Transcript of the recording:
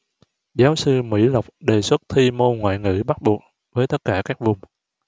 giáo sư mỹ lộc đề xuất thi môn ngoại ngữ bắt buộc với tất cả các vùng